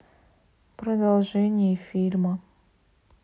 продолжение фильма